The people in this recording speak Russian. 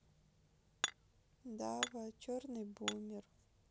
дава черный бумер